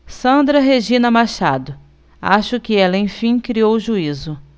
sandra regina machado acho que ela enfim criou juízo